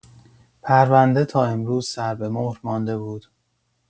پرونده تا امروز سربه‌مهر مانده بود.